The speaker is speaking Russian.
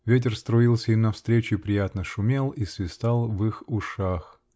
ветер струился им навстречу и приятно шумел и свистал в их ушах.